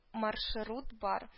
Маршрут бар